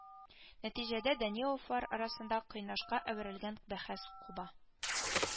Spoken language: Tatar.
Нәтиҗәдә, Даниловлар арасында кыйнашка әверелгән бәхәс куба